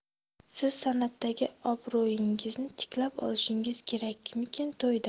siz san'atdagi obro'yingizni tiklab olishingiz kerakmikin to'yda